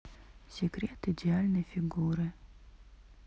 секрет идеальной фигуры